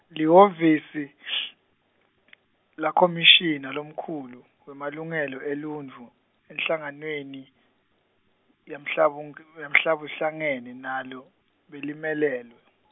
lihhovisi , lakhomishina lomkhulu, wemalungelo eluntfu, enhlanganweni, yamhlabunke- yamhlabuhlangene nalo, belimelelwe.